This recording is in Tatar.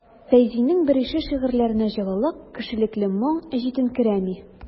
Фәйзинең берише шигырьләренә җылылык, кешелекле моң җитенкерәми.